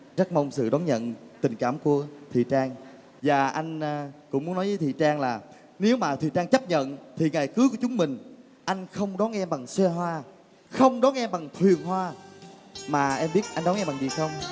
rất mong sự đón nhận tình cảm của thùy trang và anh cũng muốn nói với thùy trang là nếu mà thùy trang chấp nhận thì ngày cưới của chúng mình anh không đón em bằng xe hoa không đón em bằng thuyền hoa mà em biết anh đón em bằng gì không